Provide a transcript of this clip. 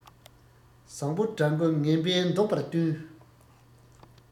བཟང པོ དགྲ མགོ ངན པས བཟློག པས བསྟུན